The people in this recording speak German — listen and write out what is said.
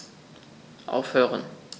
Aufhören.